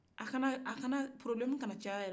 a kana-a kana porobilɛmu kan caya yɛrɛ